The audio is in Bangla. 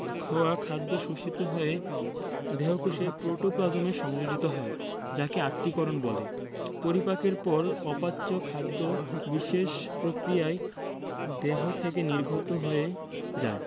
পরিপাক হওয়া খাদ্য শোষিত হয়ে দেহকোষের প্রোটোপ্লাজমে সংযোজিত হয় যাকে আত্তীকরণ বলে পরিপাকের পর অপাচ্য খাদ্য বিশেষ প্রক্রিয়ায় দেহ থেকে নির্গত হয়ে যায়